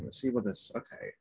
Let's see what this... Ok.